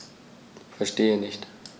Verstehe nicht.